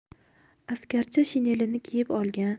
askarcha shinelini kiyib olgan